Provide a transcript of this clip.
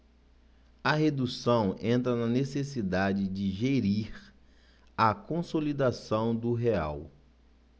a redução entra na necessidade de gerir a consolidação do real